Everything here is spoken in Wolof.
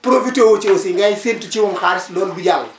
profité woo ci aussi ngay séentu ci moom xaalis loolu du jàll